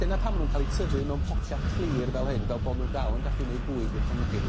Dyna pam ma' nw'n ca'l 'u tyfu mewn potia clir fel hyn fel bo' n'w dal yn gallu neud bwyd i'r planhigyn.